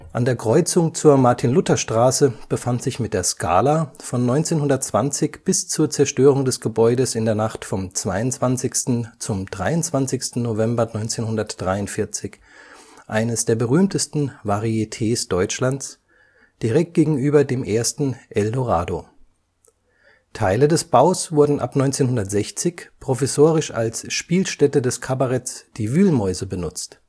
An der Kreuzung zur Martin-Luther-Straße befand sich mit der „ Scala “von 1920 bis zur Zerstörung des Gebäudes in der Nacht vom 22. zum 23. November 1943 eines der berühmtesten Varietés Deutschlands, direkt gegenüber dem ersten „ Eldorado “. Teile des Baus wurden ab 1960 provisorisch als Spielstätte des Kabaretts „ Die Wühlmäuse “benutzt